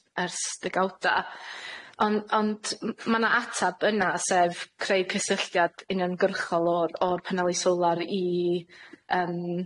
ers degawda, ond ond m- ma' 'na atab yna sef creu cysylltiad uniongyrchol o'r o'r paneli solar i yym